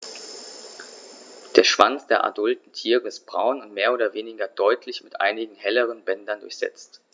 Der Schwanz der adulten Tiere ist braun und mehr oder weniger deutlich mit einigen helleren Bändern durchsetzt.